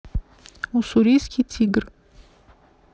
уссурийский тигр